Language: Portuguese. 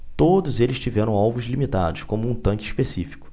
todos eles tiveram alvos limitados como um tanque específico